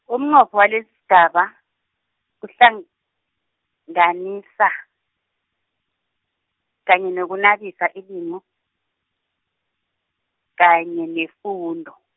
umnqopho walesisigaba, kuhlanganisa, kanye nokunabisa ilimi, kanye nefundo.